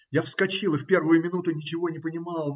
Я вскочил и в первую минуту ничего не понимал.